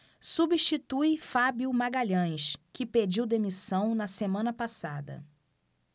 substitui fábio magalhães que pediu demissão na semana passada